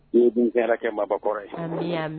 O dun kɛra kɛ mabɔkɔrɔ ye